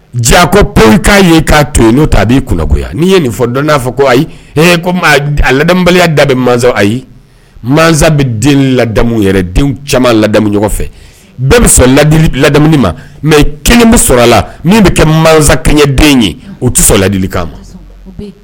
Jaa ko pekan ye k'a to yen n'u ta b' igo ni ye nin fɔ dɔn n'a fɔ ko ayi a ladabali da bɛ mazɔn ayi masa bɛ den ladamu yɛrɛ den caman ladamu ɲɔgɔn fɛ bɛɛ bɛ sɔn la lada ma mɛ kelen bɛ sɔrɔ la min bɛ kɛ masa kaɲɛ den ye u tɛ sɔrɔ ladi kama ma